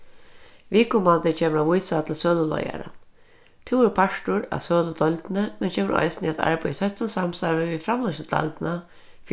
viðkomandi kemur at vísa til søluleiðaran tú verður partur av søludeildini men kemur eisini at arbeiða í tøttum samstarvi við framleiðsludeildina